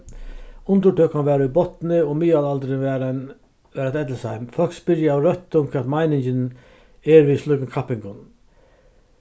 undirtøkan var í botni og miðalaldurin var ein var eitt ellisheim fólk spyrja av røttum hvat meiningin er við slíkum kappingum